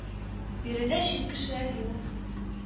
Биредә чит кешеләр юк